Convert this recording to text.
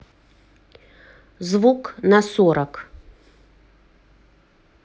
звук на сорок